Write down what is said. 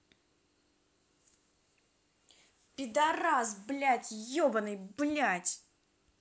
пидарас блядь ебаный блядь